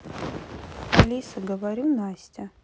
алиса говорю настя